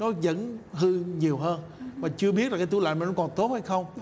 nó vẫn hư nhiều hơn mà chưa biết là cái tủ lạnh nó còn tốt hay không